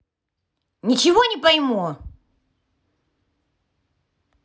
ничего не пойму